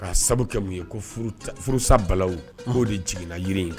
Ka sababu kɛ mun ye ko furusa balalaw k'o de jiginna yiri in kan.